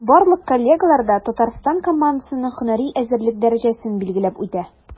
Барлык коллегалар да Татарстан командасының һөнәри әзерлек дәрәҗәсен билгеләп үтә.